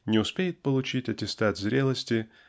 не успеет получить аттестат зрелости